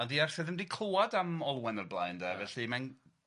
Ond 'di Arthur ddim 'di clwad am Olwen o'r blaen de felly mae'n